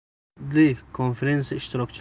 hurmatli konferensiya ishtirokchilari